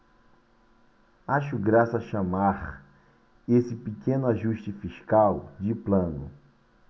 acho graça chamar esse pequeno ajuste fiscal de plano